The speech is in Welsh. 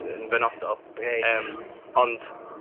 yn benodol... Reit. ...yym, ond,